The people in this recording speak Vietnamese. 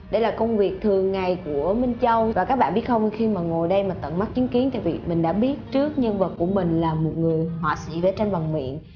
đây là công việc thường ngày của minh châu và các bạn biết không khi mà ngồi đây tận mắt chứng kiến thì việc mình đã biết trước nhân vật của mình là một người họa sĩ vẽ tranh bằng miệng